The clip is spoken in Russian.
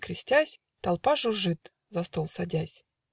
и, крестясь, Толпа жужжит, за стол садясь.